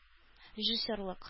Режиссерлык